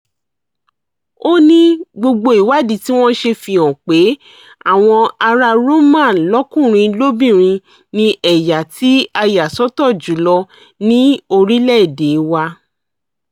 Ó ní; gbogbo ìwádìí tí wọ́n ṣe fi hàn pé àwọn ará Roma lọ́kùnrin lóbìnrin ni ẹ̀yà tí a yà sọ́tọ̀ jù lọ ní orílẹ̀-èdèe wa.